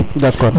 d' accord